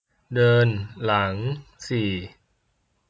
เดินหลังสี่